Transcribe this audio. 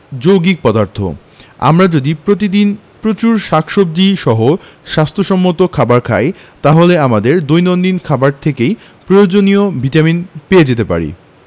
যৌগিক পদার্থ আমরা যদি প্রতিদিন প্রচুর শাকসবজী সহ স্বাস্থ্য সম্মত খাবার খাই তাহলে আমাদের দৈনন্দিন খাবার থেকেই প্রয়োজনীয় ভিটামিন পেয়ে যেতে পারি